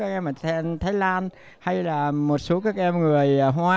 em sang thái lan hay là một số các em người hoa